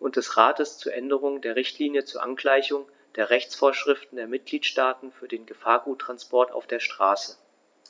und des Rates zur Änderung der Richtlinie zur Angleichung der Rechtsvorschriften der Mitgliedstaaten für den Gefahrguttransport auf der Straße.